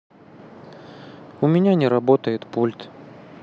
у меня не работает пульт